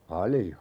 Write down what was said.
paljon